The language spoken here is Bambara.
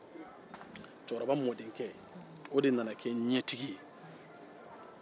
cɛkɔrɔba mɔdenke de nana kɛ ɲɛtigi ye